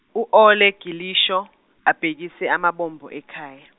u Ole Gilisho abhekise amabombo ekhaya.